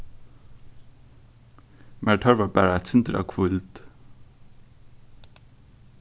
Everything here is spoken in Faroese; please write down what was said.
mær tørvar bara eitt sindur av hvíld